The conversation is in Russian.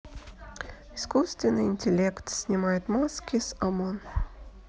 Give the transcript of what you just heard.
искусственный интеллект снимает маски с омон